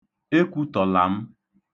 Ekwutọla m!